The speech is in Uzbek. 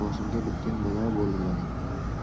boshimga bitgan balo bo'ldilaring